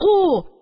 Ку